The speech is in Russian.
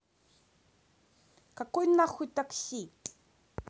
какой нахуй такси